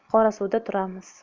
qorasuvda turamiz